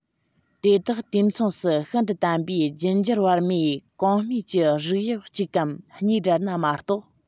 དེ དག དུས མཚུངས སུ ཤིན ཏུ དམ པའི རྒྱུད འགྱུར བར མས གོང སྨྲས ཀྱི རིགས དབྱིབས གཅིག གམ གཉིས སྦྲེལ ན མ གཏོགས